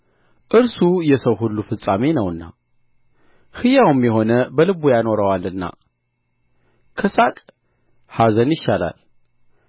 እርሱ የሰው ሁሉ ፍጻሜ ነውና ሕያውም የሆነ በልቡ ያኖረዋልና ከሳቅ ኀዘን ይሻላል